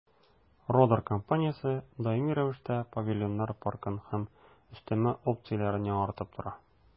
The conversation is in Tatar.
«родер» компаниясе даими рәвештә павильоннар паркын һәм өстәмә опцияләрен яңартып тора.